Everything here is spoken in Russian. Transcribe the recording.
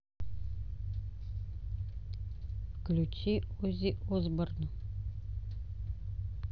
включи оззи осборн